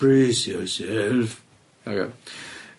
Brace yourself. Ocê.